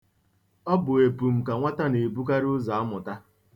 Ọ bụ epum ka nwata na-ebukarị ụzọ amụta.